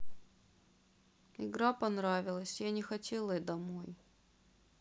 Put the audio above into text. игра понравилась я не хотела домой